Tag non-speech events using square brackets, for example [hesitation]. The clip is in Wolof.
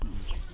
[hesitation] [hesitation]